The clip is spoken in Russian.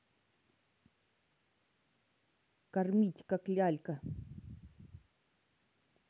кормить как лялька